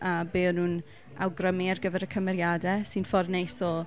A be o' nhw'n awgrymu ar gyfer y cymeriadau sy'n ffordd neis o...